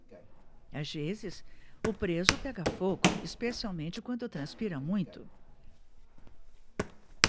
às vezes o preso pega fogo especialmente quando transpira muito